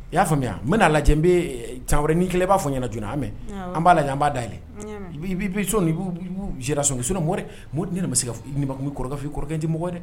I y'a faamuya n bɛna'a lajɛ bɛ ca wɛrɛ nii kelen b'a fɔ ɲɛna joona an mɛn an b'a la an b'a da bɛ sɔn i b' sɔn somo mu ma se nikun bɛ kɔrɔkanfin kɔrɔkɛ di mɔgɔ dɛ